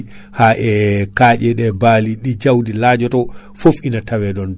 ha e kaaƴe ɗe baali ɗi jawɗi laƴoto foof ina tawe ɗon